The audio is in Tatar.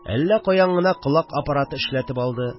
Әллә каян гына колак аппараты эшләтеп алды